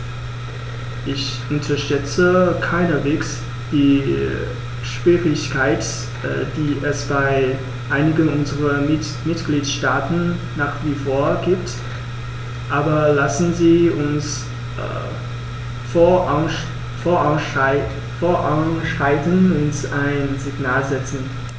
Ich unterschätze keineswegs die Schwierigkeiten, die es bei einigen unserer Mitgliedstaaten nach wie vor gibt, aber lassen Sie uns voranschreiten und ein Signal setzen.